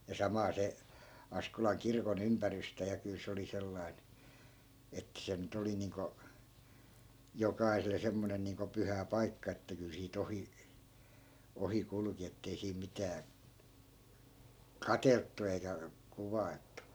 ja samaa se Askolan kirkon ympärystä ja kyllä se oli sellainen että se nyt oli niin kuin jokaiselle semmoinen niin kuin pyhä paikka että kyllä siitä ohi ohi kulki että ei siinä mitään katseltu eikä kuvailtu